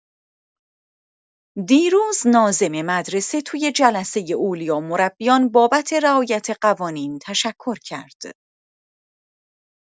دیروز ناظم مدرسه تو جلسۀ اولیا مربیان بابت رعایت قوانین تشکر کرد.